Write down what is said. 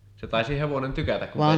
se taisi hevonen tykätä kun